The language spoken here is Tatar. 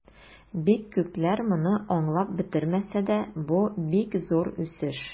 Бик күпләр моны аңлап бетермәсә дә, бу бик зур үсеш.